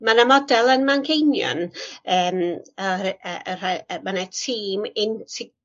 Ma' 'na model yn Manceinion yym oherwy- yy yy rhai yy ma' 'na tîm inti-